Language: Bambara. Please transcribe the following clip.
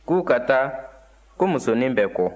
k'u ka taa ko musonin bɛ kɔ